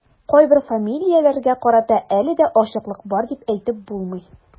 Кайбер фамилияләргә карата әле дә ачыклык бар дип әйтеп булмый.